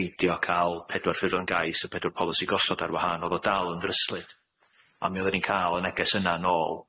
beidio ca'l pedwar ffurflen gais a pedwar polisi gosod ar wahân o'dd o dal yn ddryslyd a mi o'ddan ni'n ca'l y neges yna nôl.